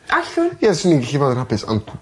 Allwn. Ie 'swn i'n gallu bod yn hapus ond...